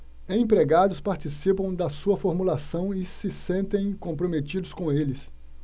empregados participam da sua formulação e se sentem comprometidos com eles